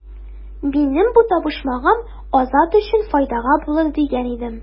Минем бу табышмагым Азат өчен файдага булыр дигән идем.